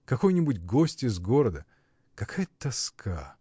какой-нибудь гость из города — какая тоска!